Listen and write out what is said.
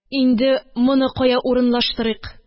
Инде моны кая урынлаштырыйк